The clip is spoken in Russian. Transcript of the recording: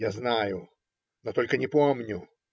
Я знаю, но только не помню.